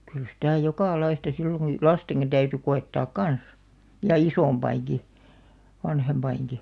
kyllä sitä jokalaista silloin kun lastenkin täytyi koettaa kanssa ja isompienkin vanhempienkin